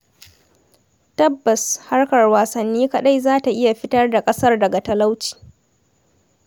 Tabbas, harkar wasanni kaɗai za ta iya fitar da ƙasar daga talauci.